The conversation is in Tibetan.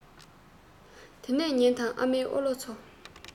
དེ ནས ཉོན དང ཨ མའི ཨོ ལོ ཚོ